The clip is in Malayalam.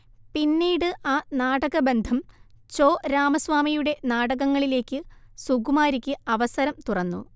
പിന്നീട് ആ നാടകബന്ധം ചോ രാമസ്വാമിയുടെ നാടകങ്ങളിലേക്ക് സുകുമാരിക്ക് അവസരം തുറന്നു